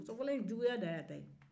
muso fɔlɔ in juguya dan ye a ta ye